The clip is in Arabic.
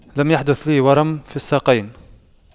لم يحدث لي ورم في الساقين